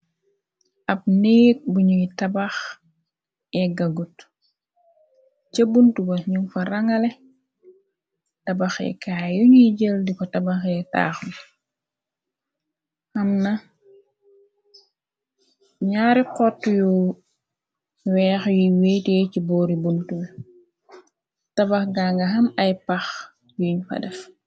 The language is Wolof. Ab neek buñuy tabax yegga gut ca buntuba nu fa rangale tabaxekaay yuñuy jël di ko tabaxee taax bi amna ñaari xott yu weex yuy weetee ci boori buntu bi tabax ganga am ay pax yuñ fa def.